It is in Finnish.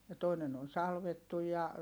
ja toinen on salvattu ja